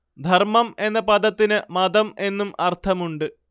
ധർമം എന്ന പദത്തിന് മതം എന്നും അർഥമുണ്ട്